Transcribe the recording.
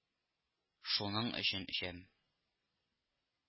Шуның өчен эчәм